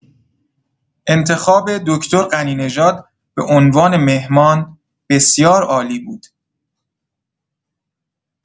انتخاب دکتر غنی‌نژاد بعنوان مهمان، بسیار عالی بود.